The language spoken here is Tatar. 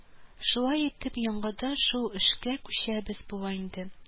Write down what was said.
Шулай итеп, яңадан шул эшкә күчәбез була инде